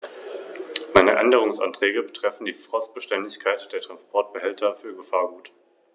Deshalb müssen wir für die Schaffung eines einheitlichen Patentschutzes mehr tun.